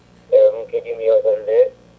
eyyi min keeɗima yewtere nde